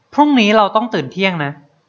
พรุ่งนี้เราต้องตื่นเที่ยงนะ